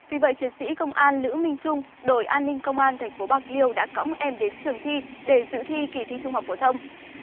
vì vậy chiến sĩ công an lữ minh trung đội an ninh công an thành phố bạc liêu đã cõng em đến trường thi để dự thi kỳ thi trung học phổ thông